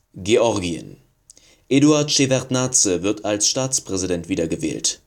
Georgien: Eduard Schewardnadse wird als Staatspräsident wiedergewählt